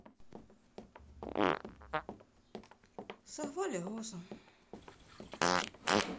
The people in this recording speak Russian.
сорвали розу